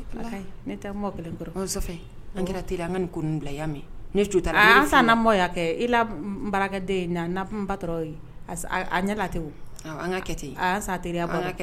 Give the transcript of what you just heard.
An bila san kɛ iden ba an ɲɛ la an ka sa